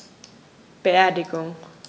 Beerdigung